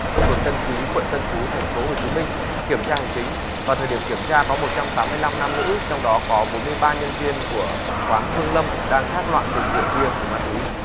phường tân quý quận tân phú thành phố hồ chí minh kiểm tra hành chính vào thời điểm kiểm tra có một trăm tám mươi lăm nam nữ trong đó có bốn mươi ba nhân viên của quán phương lâm đang thác loạn tiệc rượu bia cùng ma túy